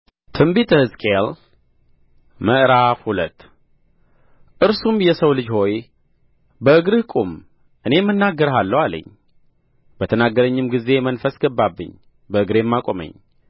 ትንቢተ ሕዝቅኤል ምዕራፍ ሁለት እርሱም የሰው ልጅ ሆይ በእግርህ ቁም እኔም እናገርሃለሁ አለኝ በተናገረኝም ጊዜ መንፈስ ገባብኝ በእግሬም አቆመኝ